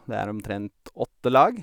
Det er omtrent åtte lag.